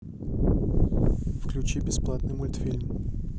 включи бесплатный мультфильм